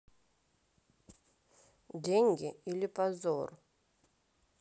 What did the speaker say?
деньги или позор